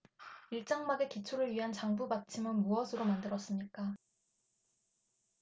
일 장막의 기초를 위한 장부 받침은 무엇으로 만들었습니까